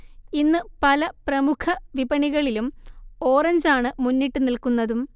ഇന്നുപല പ്രമുഖ വിപണികളിലും ഓറഞ്ച് ആണു മുന്നിട്ടുനിൽക്കുന്നതും